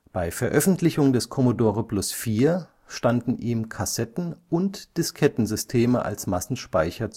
Bei Veröffentlichung des Commodore Plus/4 standen ihm Kassetten - und Diskettensysteme als Massenspeicher